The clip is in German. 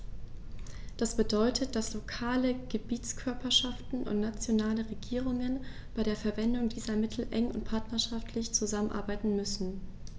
Das bedeutet, dass lokale Gebietskörperschaften und nationale Regierungen bei der Verwendung dieser Mittel eng und partnerschaftlich zusammenarbeiten müssen.